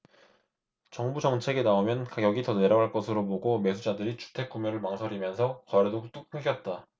정부 정책이 나오면 가격이 더 내려갈 것으로 보고 매수자들이 주택 구매를 망설이면서 거래도 뚝 끊겼다